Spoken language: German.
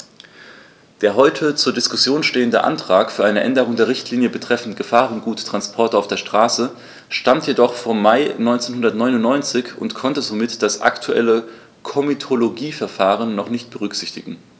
Der heute zur Diskussion stehende Vorschlag für eine Änderung der Richtlinie betreffend Gefahrguttransporte auf der Straße stammt jedoch vom Mai 1999 und konnte somit das aktuelle Komitologieverfahren noch nicht berücksichtigen.